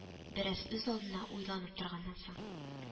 Бераз үзалдына уйланып торганнан соң